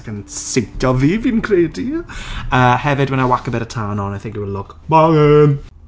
Ac yn siwto fi, fi'n credu. Yy hefyd when I whack a bit of tan on I think it will look banging.